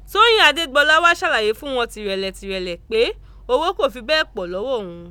Tóyìn Adégbọlá wá ṣàlàyé fún wọn tìrẹ̀lẹ̀ tìrẹ̀lẹ̀ pé owó kò fi bẹ́ẹ̀ pọ̀ lọ́wọ́ òun.